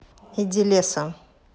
иди лесом